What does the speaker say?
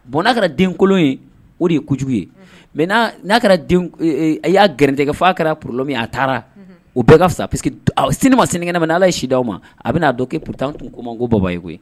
Bɔn n'a kɛra den kolon ye o de ye kojugu ye mɛ n'a kɛra a y'a gtigɛgɛ' a kɛra porolɔ min a taara o bɛɛ ka fisa p que sen ma senkɛnɛ ma ala ye si d' aw ma a bɛna'a dɔn ke poro an' ma ko baba ye koyi